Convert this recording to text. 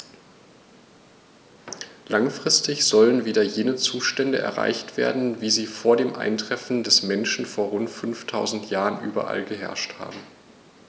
Langfristig sollen wieder jene Zustände erreicht werden, wie sie vor dem Eintreffen des Menschen vor rund 5000 Jahren überall geherrscht haben.